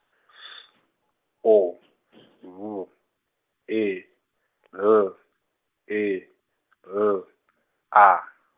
G O B E L E L A.